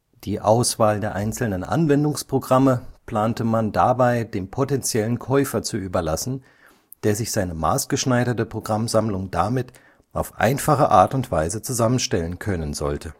Die Auswahl der einzelnen Anwendungsprogramme plante man dabei dem potentiellen Käufer zu überlassen, der sich seine maßgeschneiderte Programmsammlung damit auf einfache Art und Weise zusammenstellen können sollte